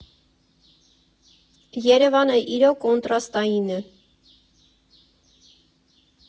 Երևանը իրոք կոնտրաստային է։